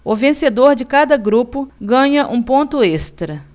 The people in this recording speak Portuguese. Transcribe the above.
o vencedor de cada grupo ganha um ponto extra